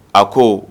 A ko